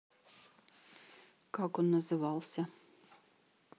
как он назывался